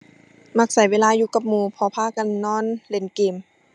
มักใช้เวลาอยู่กับหมู่เพราะพากันนอนเล่นเกม